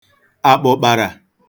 àkpụ̀kpàrà